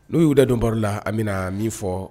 N'u'uda don baro la an bɛna min fɔ